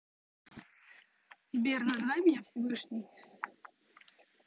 сбер называй меня всевышней